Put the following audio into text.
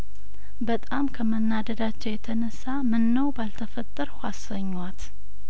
በጣም ከመናደዳቸው የተነሳም ነው ባልተ ፈጠርሁ አሰኟት